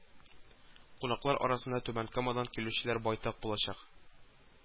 Кунаклар арасында Түбән Камадан килүчеләр байтак булачак